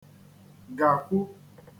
-gàkwu